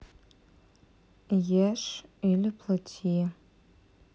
ешь или плати